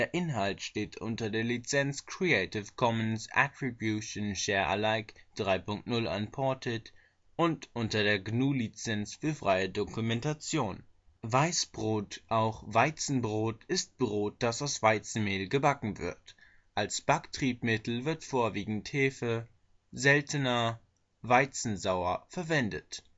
Inhalt steht unter der Lizenz Creative Commons Attribution Share Alike 3 Punkt 0 Unported und unter der GNU Lizenz für freie Dokumentation. Dieser Artikel beschreibt eine Brotsorte. Zum gleich lautenden Nachnamen siehe Weisbrod. Französisches Weißbrot Weißbrot (auch Weizenbrot) ist Brot, das aus Weizenmehl gebacken wird. Als Backtriebmittel wird vorwiegend Hefe, seltener Weizensauer verwendet